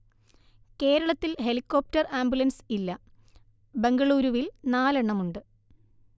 കേരളത്തിൽ helicopter ambulance ഇല്ല ബെംഗളൂരുവിൽ നാലെണ്ണമുണ്ട്